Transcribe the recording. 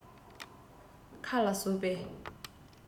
མཁའ ལ ཟུག པའི